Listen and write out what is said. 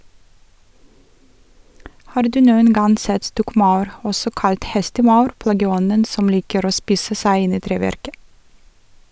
Har du noen gang sett stokkmaur , også kalt hestemaur, plageånden som liker å spise seg inn i treverket?